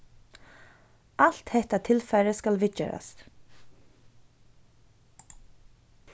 alt hetta tilfarið skal viðgerast